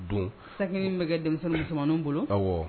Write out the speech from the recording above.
Don sa bɛ denmisɛnnin camanw bolo